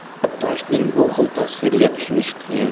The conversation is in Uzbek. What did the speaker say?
ajab toshning bu xil tasviriga tushunish qiyin